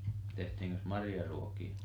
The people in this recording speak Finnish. tehtiinkös marjaruokia